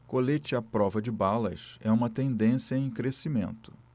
colete à prova de balas é uma tendência em crescimento